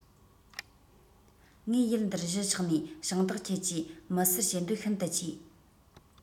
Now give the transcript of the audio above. ངས ཡུལ འདིར གཞིས ཆགས ནས ཞིང བདག ཁྱེད ཀྱི མི སེར བྱེད འདོད ཤིན ཏུ ཆེ